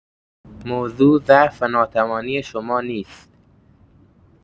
موضوع ضعف و ناتوانی شما نیست.